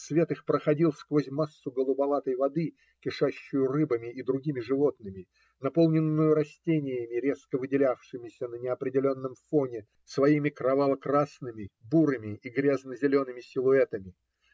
свет их проходил сквозь массу голубоватой воды, кишащую рыбами и другими животными, наполненную растениями, резко выделявшимися на неопределенном фоне своими кроваво-красными, бурыми и грязно-зелеными силуэтами.